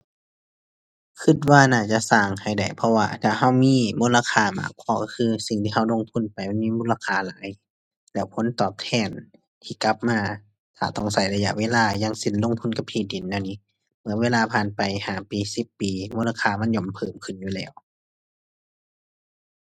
คิดว่าน่าจะสร้างให้ได้เพราะว่าถ้าคิดมีมูลค่ามากพอ คือสิ่งที่คิดลงทุนไปมันมีมูลค่าหลาย แล้วผลตอบแทนที่กลับมา อาจต้องคิดระยะเวลา อย่างเช่นลงทุนกับที่ดินแนวนี้ เมื่อเวลาผ่านไปห้าปีสิบปี มูลค่ามันย่อมเพิ่มขึ้นอยู่แล้ว